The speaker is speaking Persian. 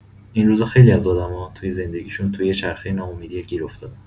این روزها خیلی از آدم‌ها توی زندگی‌شون توی یه چرخه ناامیدی گیر افتادن.